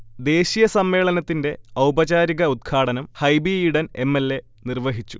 ദേശീയ സമ്മേളനത്തിന്റെ ഔപചാരിക ഉത്ഘാടനം Hibi Eden M. L. A. നിർവഹിച്ചു